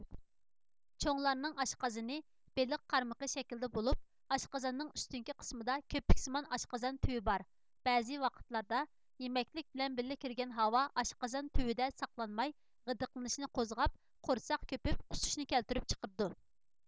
چوڭلارنىڭ ئاشقازىنى بېلىق قارمىقى شەكلىدە بولۇپ ئاشقازاننىڭ ئۈستۈنكى قىسمىدا كۆپۈكسىمان ئاشقازان تۈۋى بار بەزى ۋاقىتلاردا يېمەكلىك بىلەن بىللە كىرگەن ھاۋا ئاشقازان تۈۋىدە ساقلانماي غىدىقلىنىشىنى قوزغاپ قورساق كۆپۈپ قۇسۇشنى كەلتۈرۈپ چىقرىدۇ